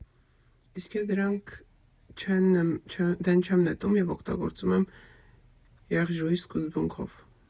Իսկ ես դրանք դեն չեմ նետում ու օգտագործում եմ եղջյուրի սկզբունքով.